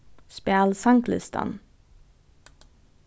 spæl sanglistan